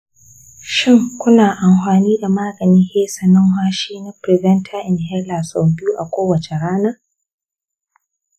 shin kuna amfani da maganin fesa numfashi na preventer inhaler sau biyu a kowace rana?